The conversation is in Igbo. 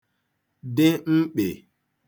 dị mkpị̀